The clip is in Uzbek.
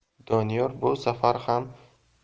doniyor bu safar